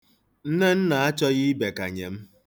Nnenna achọghị ibekanye m.